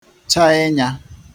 chā enya